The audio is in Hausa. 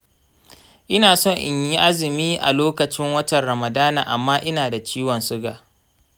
ina son inyi azumi a lokacin watan ramadana amma ina da ciwon suga.